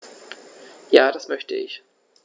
Ja, das möchte ich.